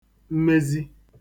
mmezi